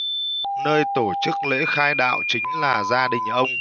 nơi tổ chức lễ khai đạo chính là gia đình ông